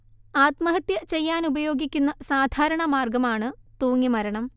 ആത്മഹത്യ ചെയ്യാനുപയോഗിക്കുന്ന ഒരു സാധാരണ മാർഗ്ഗമാണ് തൂങ്ങി മരണം